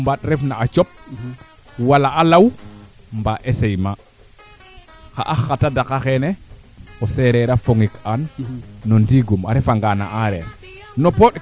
kam Niakkar feeke coté sax a Yengele le Babe Kamil liin a xotu xotit Kombosikim o jela ngaano ndik rek pinke Babe Kamil iin boya o sutu kaa a Niakhar kama Diafadia le yiin mene yiin fop